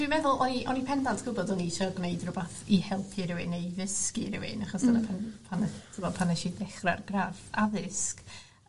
Dwi'n meddwl o'n i o'n i pendant gwbod o'n i isio gneud rwbath i helpu rywun neu i ddysgu rywun achos... Hmm. ...yn y pen pan nes t'mod pan nesh i ddechra'r gradd addysg